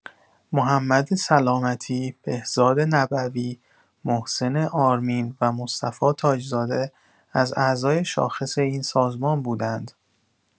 محمد سلامتی، بهزاد نبوی، محسن آرمین و مصطفی تاج‌زاده از اعضای شاخص این سازمان بودند.